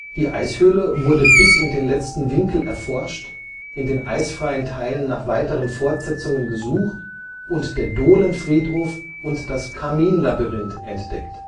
Die Eishöhle wurde bis in den letzten Winkel erforscht, in den eisfreien Teilen nach weiteren Fortsetzungen gesucht und der Dohlenfriedhof und das Kaminlabyrinth entdeckt